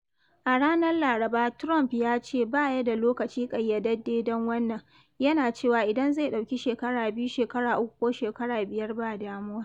A ranar Laraba, Trump ya ce ba ya da lokaci ƙayyadedde don wannan, yana cewa “Idan zai ɗauki shekaru biyu, shekaru uku ko shekaru biyar - ba damuwa.”